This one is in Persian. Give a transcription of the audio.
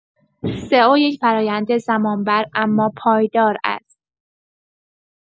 سئو یک فرآیند زمان‌بر اما پایدار است.